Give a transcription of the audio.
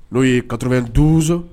N'o ye katobɛn donso